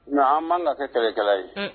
Nka an man na kɛ kɛlɛkɛla ye